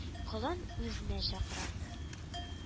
Колынын үзенә чакыра